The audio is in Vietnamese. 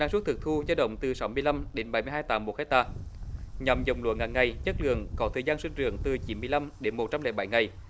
năng suất thực thu dao động từ sáu mươi lăm đến bảy mươi hai tạ một héc ta nhóm giống lúa ngắn ngày chất lượng có thời gian sinh trưởng từ chín mươi lăm điểm một trăm lẻ bảy ngày